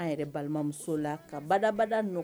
An yɛrɛ balimamuso la ka badabada